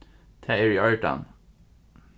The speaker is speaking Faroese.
tað er í ordan